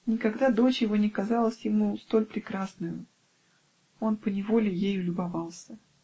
Никогда дочь его не казалась ему столь прекрасною; он поневоле ею любовался.